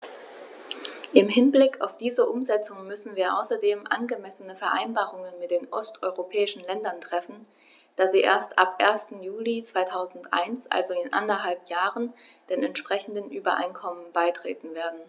Im Hinblick auf diese Umsetzung müssen wir außerdem angemessene Vereinbarungen mit den osteuropäischen Ländern treffen, da sie erst ab 1. Juli 2001, also in anderthalb Jahren, den entsprechenden Übereinkommen beitreten werden.